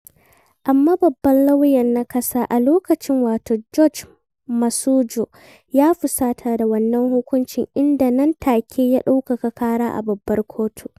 Amma babban lauyan na ƙasa a lokacin wato George Masaju ya fusata da wannan hukuncin inda nan take ya ɗaukaka ƙara a Babbar Kotu.